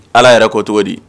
Ala yɛrɛ ko cogo di